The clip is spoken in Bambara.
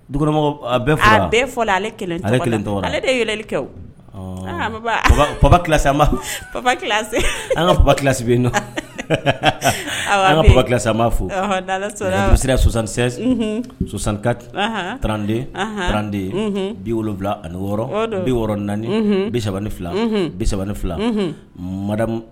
Dugu fɔ ale ale tɔ ale deɛlɛnlikɛ kilaba ki an ka bababa kilasi yen nɔ an kaba kila an ma fosisansensankati tranden tranden bi wolowula ani wɔɔrɔ bi wɔɔrɔɔrɔn naani bisa fila bisa ni fila mada